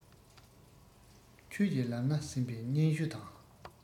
ཆོས ཀྱི ལམ སྣ ཟིན པའི སྙན ཞུ དང